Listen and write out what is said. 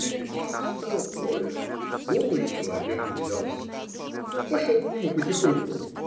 среди чистого поля голый человек взялся?" Пошел к нему потихоньку